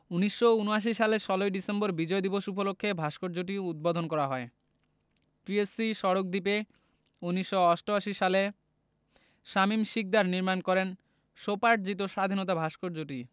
১৯৭৯ সালের ১৬ ডিসেম্বর বিজয় দিবস উপলক্ষে ভাস্কর্যটি উদ্বোধন করা হয় টিএসসি সড়ক দ্বীপে ১৯৮৮ সালে শামীম শিকদার নির্মাণ করেন স্বোপার্জিত স্বাধীনতা ভাস্কর্যটি